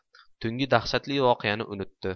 tungi dahshatli voqeani unutdi